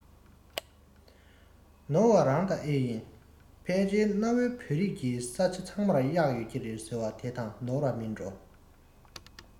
ནོར བ རང ད ཨེ ཡིན ཕལ ཆེར གནའ བོའི བོད རིགས ཡོད ས ཚང མར གཡག ཡོད རེད ཟེར བ དེ དང ནོར བ མིན འགྲོ